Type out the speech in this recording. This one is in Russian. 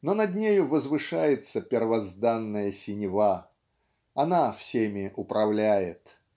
но над нею возвышается "первозданная синева" она всеми управляет.